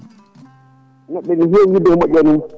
neɗɗo ne heewi yidde ko moƴƴani e mum